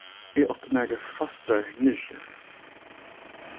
eg átti nakrar fastrar niðri